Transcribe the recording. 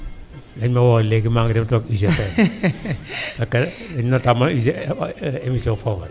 nañu ma woowal léegi maa ngi dem toog UGPM ak notamment UG émission *